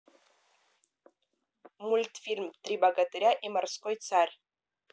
мультфильм три богатыря и морской царь